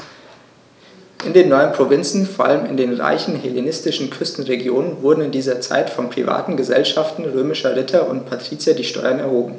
In den neuen Provinzen, vor allem in den reichen hellenistischen Küstenregionen, wurden in dieser Zeit von privaten „Gesellschaften“ römischer Ritter und Patrizier die Steuern erhoben.